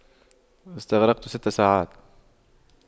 استغرقت ست ساعات